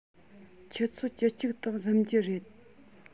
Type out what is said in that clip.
ཆུ ཚོད བཅུ གཅིག སྟེང གཟིམ གྱི རེད